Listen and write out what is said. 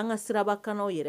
An ka siraba kan aw yɛrɛ